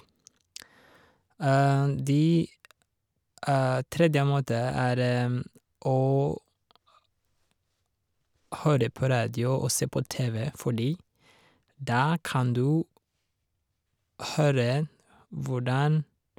de Tredje måte er å høre på radio og se på TV, fordi da kan du høre hvordan...